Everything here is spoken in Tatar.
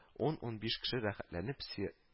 Ун-унбиш кеше рәхәтләнеп се